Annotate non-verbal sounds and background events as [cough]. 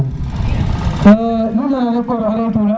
[hesitation] nu nana ne kooro xe ley tuna